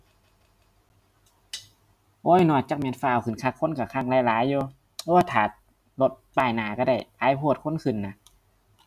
โอ๊ยเนาะ จักแม่นฟ้าวขึ้นคัก คนก็คักหลายหลายอยู่ โอ้ ท่ารถป้ายหน้าก็ได้ หลายโพดคนขึ้นน่ะ